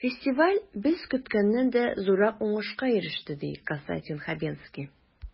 Фестиваль без көткәннән дә зуррак уңышка иреште, ди Константин Хабенский.